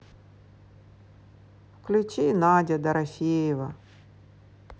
включи надя дорофеева